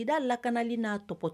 Kidali lakanali na